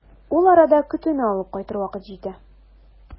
Ул арада көтүне алып кайтыр вакыт җитә.